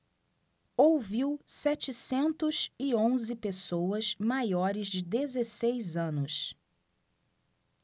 ouviu setecentos e onze pessoas maiores de dezesseis anos